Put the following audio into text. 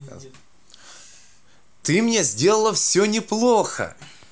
ты мне сделала все не плохо